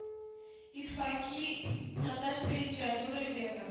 Исхаки и татарская литература века